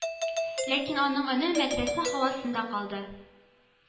Ләкин аның өне мәдрәсә һавасында калды.